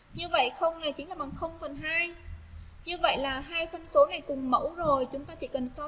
như vậy không này chính là bằng không cần hay như vậy là hai phân số này cùng mẫu rồi chúng ta chỉ cần sa